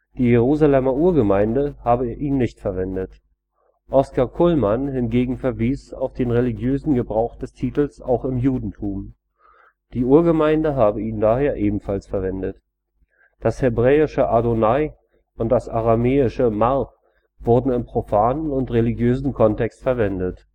Jerusalemer Urgemeinde habe ihn nicht verwendet. Oscar Cullmann dagegen verwies auf den religiösen Gebrauch des Titels auch im Judentum: Die Urgemeinde habe ihn daher ebenfalls verwendet. Das hebräische adonai und aramäische mar wurden im profanen und religiösen Kontext verwendet